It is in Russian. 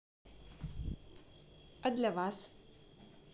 а для вас